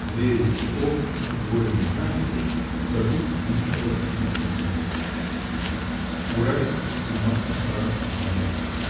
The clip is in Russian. Двери и окна отворены настежь, в саду не шелохнется лист. У Райского с ума не шла Вера.